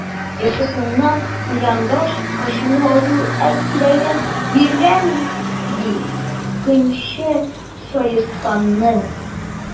Йокысыннан уянгач, ачулы Аю әй кирәген биргән, ди, көнче Саесканның!